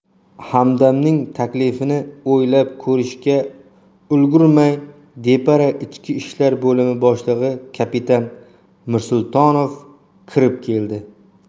hamdamning taklifini o'ylab ko'rishga ulgurmay depara ichki ishlar bo'limi boshlig'i kapitan mirsultonov kirib keldi